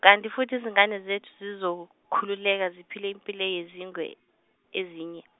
kanti futhi izingane zethu zizokhululeka ziphile impilo yezingwe ezinye.